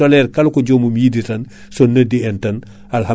min bi sena joogui traitement ,de ,semence suji kaadi yo gar wallite